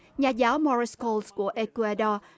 nhà giáo mo ri cô của ê cua a đo